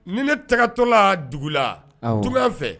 Ni ne tɛgɛtɔ la dugu la tu fɛ